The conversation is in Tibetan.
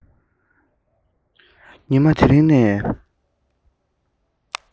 ཉི མ དེ རིང ནས